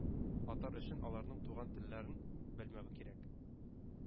Атар өчен аларның туган телләрен белмәве кирәк.